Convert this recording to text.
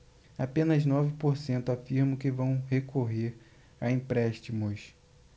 apenas nove por cento afirmam que vão recorrer a empréstimos